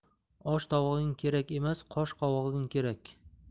osh tovog'ing kerak emas qosh qovog'ing kerak